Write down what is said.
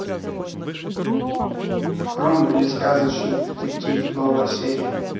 хрум или сказочный детектив новая серия